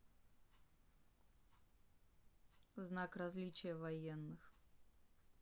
знак различия военных